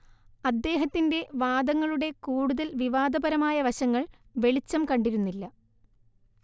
അദ്ദേഹത്തിന്റെ വാദങ്ങളുടെ കൂടുതൽ വിവാദപരമായ വശങ്ങൾ വെളിച്ചം കണ്ടിരുന്നില്ല